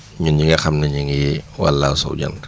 ñun ñi nga xam ne ñu ngi wàll suuf jant